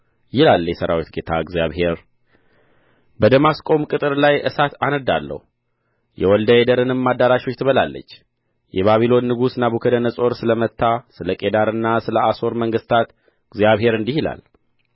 ይላል የሠራዊት ጌታ እግዚአብሔር በደማስቆም ቅጥር ላይ እሳት አነድዳለሁ የወልደ አዴርንም አዳራሾች ትበላለች የባቢሎን ንጉሥ ናቡከደነፆር ስለ መታ ስለ ቄዳርና ስለ አሶር መንግሥታት እግዚአብሔር እንዲህ ይላል